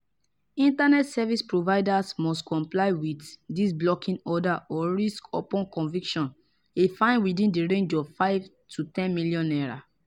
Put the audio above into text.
Internet service providers must comply with this blocking order or risk upon conviction a fine within the range of 5 to 10 million naira